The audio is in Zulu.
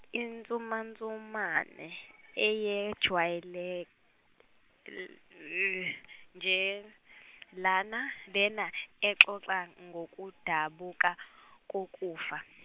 insumansumane ejwayele nje lana, lena exoxa ngokudabuka kokufa.